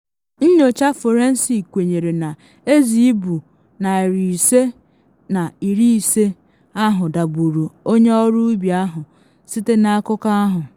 Nnyocha fọrensik kwenyere na ezi ibu 550 ahụ dagburu onye ọrụ ubi ahụ, site na akụkọ ahụ.